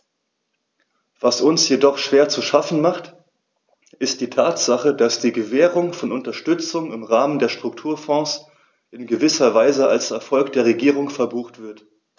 Was uns jedoch schwer zu schaffen macht, ist die Tatsache, dass die Gewährung von Unterstützung im Rahmen der Strukturfonds in gewisser Weise als Erfolg der Regierung verbucht wird.